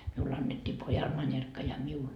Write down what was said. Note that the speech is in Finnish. minulle annettiin pojalle manerkka ja minulle